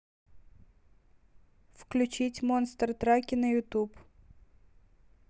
включить монстр траки на ютуб